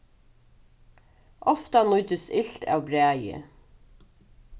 ofta nýtist ilt av bræði